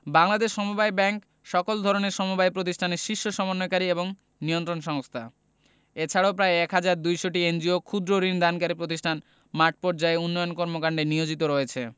বাংলাদেশ সমবায় ব্যাংক সকল ধরনের সমবায় প্রতিষ্ঠানের শীর্ষ সমন্বয়কারী ও নিয়ন্ত্রণ সংস্থা এছাড়াও প্রায় ১ হাজার ২০০ এনজিও ক্ষুদ্র্ ঋণ দানকারী প্রতিষ্ঠান মাঠপর্যায়ে উন্নয়ন কর্মকান্ডে নিয়োজিত রয়েছে